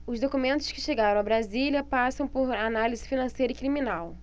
os documentos que chegaram a brasília passam por análise financeira e criminal